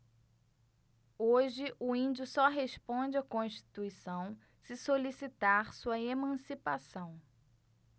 hoje o índio só responde à constituição se solicitar sua emancipação